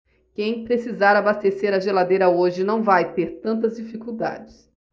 quem precisar abastecer a geladeira hoje não vai ter tantas dificuldades